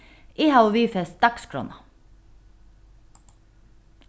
eg havi viðfest dagsskránna